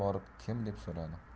borib kim deb so'radi